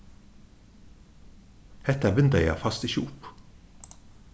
hetta vindeygað fæst ikki upp